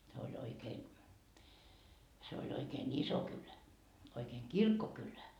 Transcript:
se oli oikein se oli oikein iso kylä oikein kirkkokylä